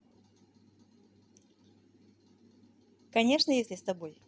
конечно если с тобой